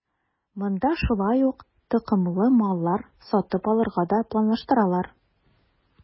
Монда шулай ук токымлы маллар сатып алырга да планлаштыралар.